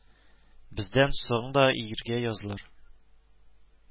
Бездән соң да иргә язлар